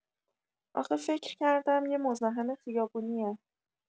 آخه فکر کردم یه مزاحم خیابونیه.